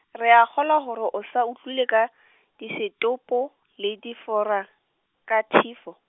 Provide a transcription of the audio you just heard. re a kgolwa hore o sa utlwile ka , disetopo, le diforekathifo.